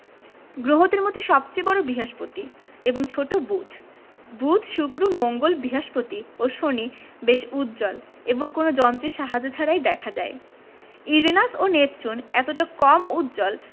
গ্রহদের মধ্যে সবচেয়ে বড় বৃহস্পতি এবং ছোট বুধ বুধ শুক্র মঙ্গল বৃহস্পতি ও শনি বেশ উজ্জ্বল এবং কোনো যন্ত্রের সাহায্য ছাড়াই দেখা যায় ইউরেনাস ও নেপচুন এতটা কম উজ্জ্বল